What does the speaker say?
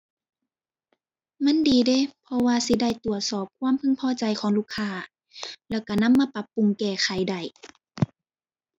มันดีเดะ เพราะว่าสิได้ตรวจสอบความพึงพอใจของลูกค้า แล้วก็นำมาปรับปรุงแก้ไขได้